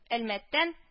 Әлмәттән